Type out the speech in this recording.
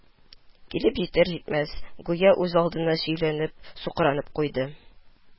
Килеп җитәр-җитмәс, гүя үзалдына сөйләнеп-сукранып куйды: